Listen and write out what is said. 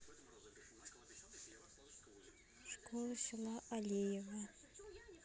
школа села алиево